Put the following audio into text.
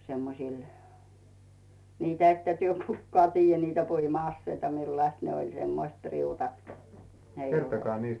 semmoisilla niitä ette te kukaan tiedä niitä puima-aseita millaiset ne oli semmoiset riutat kun ne ei